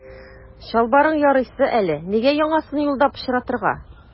Чалбарың ярыйсы әле, нигә яңасын юлда пычратырга.